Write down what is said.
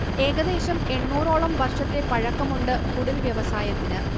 ഏകദേശം എണ്ണൂറോളം വർഷത്തെ പഴക്കമുണ്ട് കുടിൽവ്യവസായത്തിന്